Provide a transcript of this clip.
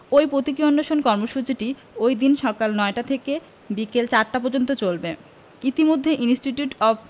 ওই পতীকী অনশন কর্মসূচিটি ওইদিন সকাল ৯টা থেকে বিকেল ৪টা পর্যন্ত চলবে ইতোমধ্যে ইন্সটিটিউট অব